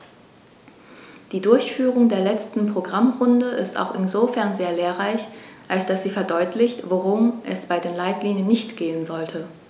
Die Durchführung der letzten Programmrunde ist auch insofern sehr lehrreich, als dass sie verdeutlicht, worum es bei den Leitlinien nicht gehen sollte.